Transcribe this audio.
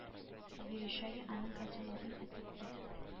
Верещагин аның котелогын этеп куйды